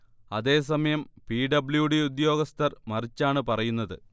അതേ സമയം P. W. D ഉദ്യോഗസ്ഥർ മറിച്ചാണ് പറയുന്നത്